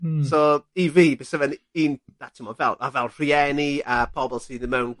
Hmm. So i fi byse fe'n un... A t'mod fel a fel rhieni a pobol sydd yn mewn